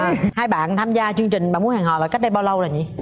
hai bạn tham gia chương trình bạn muốn hẹn hò là cách đây bao lâu rồi nhỉ